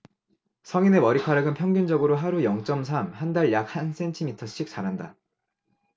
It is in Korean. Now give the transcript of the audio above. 성인의 머리카락은 평균적으로 하루 영 쩜 삼 한 달 약 한 센티미터씩 자란다